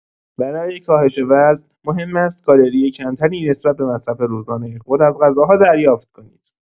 برای کاهش وزن، مهم است کالری کم‌تری نسبت به مصرف روزانه خود از غذاها دریافت کنید.